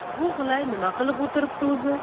bu g'ilay nima qilib o'tiribdi o'zi